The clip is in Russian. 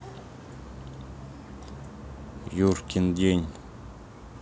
юркин день